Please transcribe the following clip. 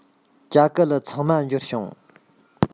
ཇ ག ལི ཚང མ འབྱོར བྱུང